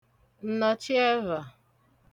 ǹnọ̀chiẹvhà